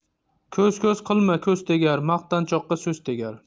ko'z ko'z qilma ko'z tegar maqtanchoqqa so'z tegar